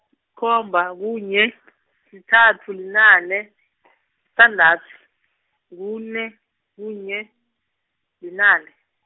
khomba, kunye, sithathu, linane , sithandathu, kunye, kunye, linane.